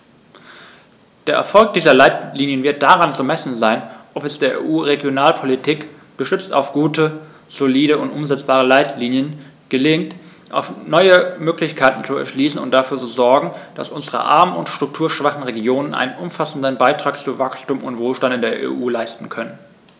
Der Erfolg dieser Leitlinien wird daran zu messen sein, ob es der EU-Regionalpolitik, gestützt auf gute, solide und umsetzbare Leitlinien, gelingt, neue Möglichkeiten zu erschließen und dafür zu sorgen, dass unsere armen und strukturschwachen Regionen einen umfassenden Beitrag zu Wachstum und Wohlstand in der EU leisten können.